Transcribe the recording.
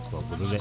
fogiro de